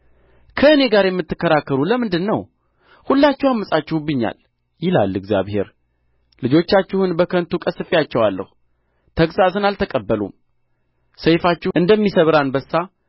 ከእኔ ጋር የምትከራከሩ ለምንድር ነው ሁላችሁ ዐምፃችሁብኛል ይላል እግዚአብሔር ልጆቻችሁን በከንቱ ቀሥፌአቸዋለሁ ተግሣጽን አልተቀበሉም ሰይፋችሁ እንደሚሰብር አንበሳ